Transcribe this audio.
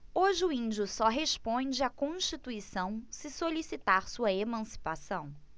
hoje o índio só responde à constituição se solicitar sua emancipação